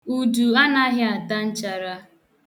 Udu anaghị ata nchara.